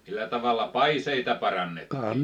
millä tavalla paiseita parannettiin